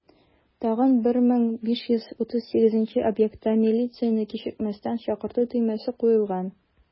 Тагын 1538 объектта милицияне кичекмәстән чакырту төймәсе куелган.